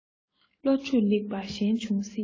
བློ གྲོས ལེགས པ གཞན འབྱུང སྲིད